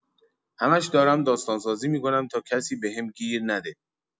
همش دارم داستان‌سازی می‌کنم تا کسی بهم گیر نده!